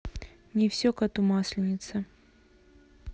не все коту масленица